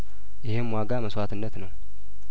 ይኸም ዋጋ መስዋእትነት ነው